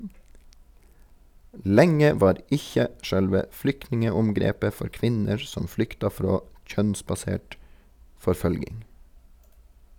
Lenge var ikkje sjølve flyktninge-omgrepet for kvinner som flykta frå kjønnsbasert forfølging.